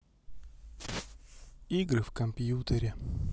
игры в компьютере